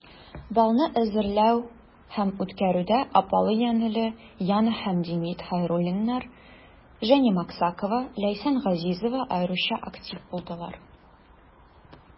Балны әзерләү һәм үткәрүдә апалы-энеле Яна һәм Демид Хәйруллиннар, Женя Максакова, Ләйсән Газизова аеруча актив булдылар.